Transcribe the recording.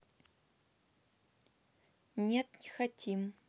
нет не хотим